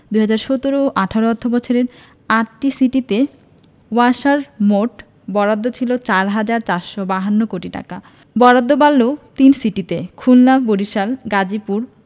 ২০১৭ ১৮ অর্থবছরে আটটি সিটিতে ওয়াসার মোট বরাদ্দ ছিল ৪ হাজার ৪৫২ কোটি টাকা বরাদ্দ বাড়লেও তিন সিটিতে খুলনা বরিশাল গাজীপুর